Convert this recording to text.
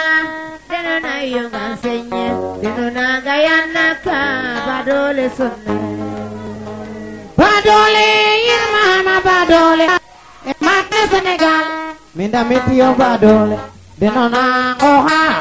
ando nayew ten ando ten badoole a xooxa iyo te ref koy na saaxo lu ref na iyo soo i mbuga nga ley koy neete sax toogina faak maaga xaƴa ndigilo madiima faak nda nanaama faak